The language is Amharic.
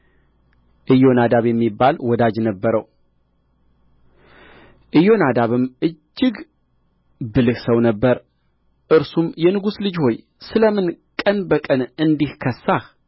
ኢዮናዳብ የሚባል ወዳጅ ነበረው ኢዮናዳብም እጅግ ብልህ ሰው ነበረ እርሱም የንጉሥ ልጅ ሆይ ስለ ምን ቀን በቀን እንዲህ ከሳህ